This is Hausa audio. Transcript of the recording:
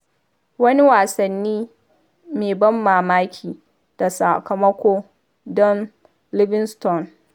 Wani wasa mai ban mamaki da sakamako don Livingston.